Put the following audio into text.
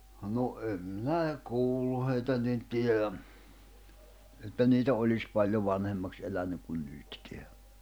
no en minä - kuullut heitä niin tiedä että niitä olisi paljon vanhemmaksi elänyt kuin nytkään